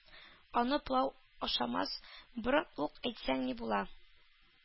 Аны пылау ашамас борын ук әйтсәң ни була!